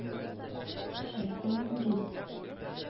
Шәп яңгырый!